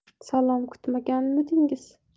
salom kutmaganmidingiz